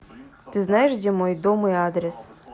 ты знаешь где мой дом и адрес